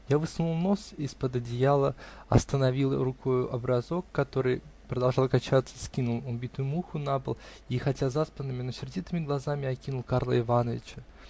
Я высунул нос из-под одеяла, остановил рукою образок, который продолжал качаться, скинул убитую муху на пол и хотя заспанными, но сердитыми глазами окинул Карла Иваныча.